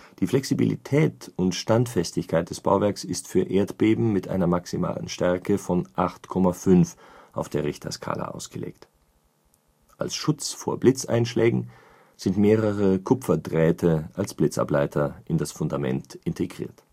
Die Flexibilität und Standfestigkeit des Bauwerks ist für Erdbeben mit einer maximalen Stärke von 8,5 auf der Richterskala ausgelegt. Als Schutz vor Blitzeinschlägen sind mehrere Kupferdrähte als Blitzableiter in das Fundament integriert